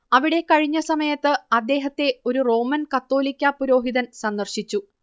അവിടെ കഴിഞ്ഞ സമയത്ത് അദ്ദേഹത്തെ ഒരു റോമൻ കത്തോലിക്കാ പുരോഹിതൻ സന്ദർശിച്ചു